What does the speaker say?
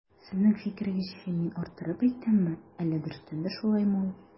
Сезнең фикерегезчә мин арттырып әйтәмме, әллә дөрестән дә шулаймы ул?